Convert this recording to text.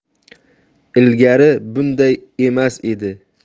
ilgari bunday emas edi